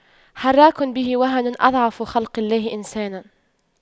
حراك به وهن أضعف خلق الله إنسانا